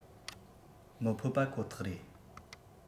མི ཕོད པ ཁོ ཐག རེད